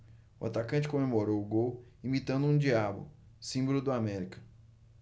o atacante comemorou o gol imitando um diabo símbolo do américa